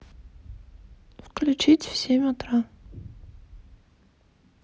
включить в семь утра